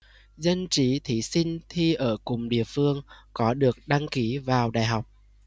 dân trí thí sinh thi ở cụm địa phương có được đăng ký vào đại học